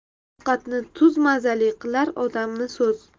ovqatni tuz mazali qilar odamni so'z